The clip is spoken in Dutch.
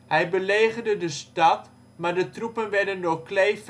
Hij belegerde de stad, maar de troepen werden door Kleef